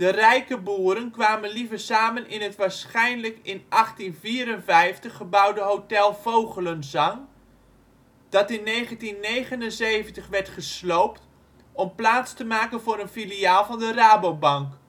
rijke boeren kwamen liever samen in het waarschijnlijk in 1854 gebouwde hotel Vogelenzang, dat in 1979 werd gesloopt om plaats te maken voor een filiaal van de Rabobank